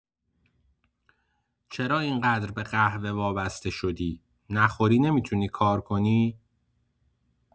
چرا اینقدر به قهوه وابسته شدی، نخوری نمی‌تونی کار کنی؟